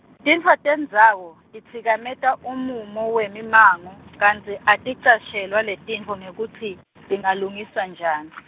tintfo tendzawo, titsikameta umumo wemimango, kantsi aticashelwa letintfo nekutsi, tingalungiswa njani.